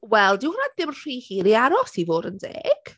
Wel, dyw hwnna ddim rhy hir i aros i fod yn deg.